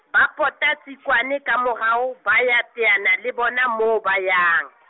ba pota Tsikwane ka morao ba ya teana le bona moo ba yang.